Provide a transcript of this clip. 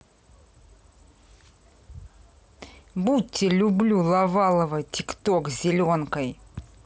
будьте люблю ловалова тик ток с зеленкой